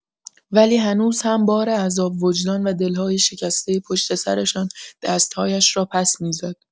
ولی هنوز هم بار عذاب وجدان و دل‌های شکستۀ پشت سرشان، دست‌هایش را پس می‌زد.